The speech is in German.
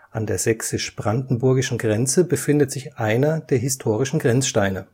An der sächsisch-brandenburgischen Grenze befindet sich einer der historischen Grenzsteine